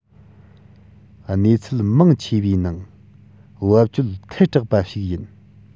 གནས ཚུལ མང ཆེ བའི ནང བབ ཅོལ ཐལ དྲགས པ ཞིག ཡིན